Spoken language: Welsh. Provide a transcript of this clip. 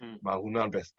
Hmm. Ma' hwnna'n beth